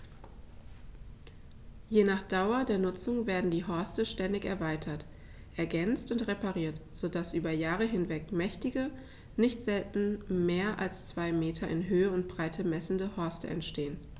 Je nach Dauer der Nutzung werden die Horste ständig erweitert, ergänzt und repariert, so dass über Jahre hinweg mächtige, nicht selten mehr als zwei Meter in Höhe und Breite messende Horste entstehen.